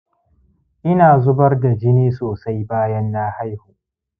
ina zubar da jini sosai bayan na haihu